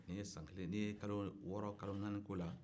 i ye san kelen i ye kalo naani kalo wooro k'ola